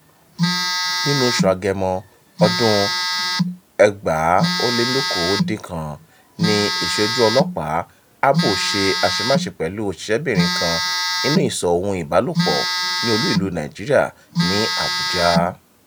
Nínú oṣù Agẹmọ 2019, ní ìṣojú ọlọ́pàá, Abbo ṣe àṣemáṣe pẹ̀lú òṣìṣẹ́bìnrin kan nínú ìsọ̀ ohun ìbálòpọ̀ ní olú-ìlú Nàìjíríà ní Abuja.